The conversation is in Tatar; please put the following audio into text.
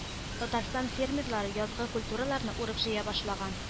Татарстан фермерлары язгы культураларны урып-җыя башлаган.